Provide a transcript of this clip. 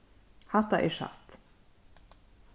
hatta er satt